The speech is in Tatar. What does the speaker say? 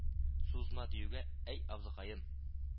Сузма , диюгә: әй, абзыкаем